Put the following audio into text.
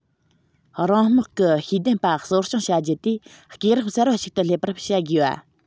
རང དམག གི ཤེས ལྡན པ གསོ སྐྱོང བྱ རྒྱུ དེ སྐས རིམ གསར པ ཞིག ཏུ སླེབས པར བྱ དགོས པ